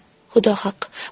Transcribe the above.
xudo haqqi